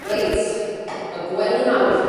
Reit y gwely mawr.